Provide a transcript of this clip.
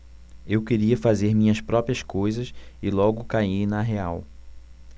eu queria fazer minhas próprias coisas e logo caí na real